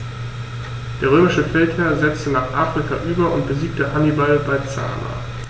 Der römische Feldherr setzte nach Afrika über und besiegte Hannibal bei Zama.